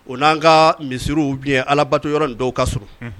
U n'an ka misiriw ou bien alabato yɔrɔ nin dɔw ka surun